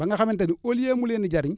ba nga xamante ni au lieu mu leen di jëriñ